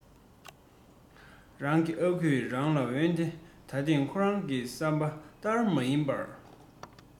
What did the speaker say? རང གི ཨ ཁུས རང ལ འོན ཏེ ད ཐེངས ཁོ རང གི བསམ པ ཏར མ ཡིན པར